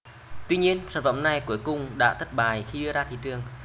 tuy nhiên sản phẩm này cuối cùng đã thất bại khi đưa ra thị trường